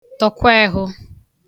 tọ̀kwehụ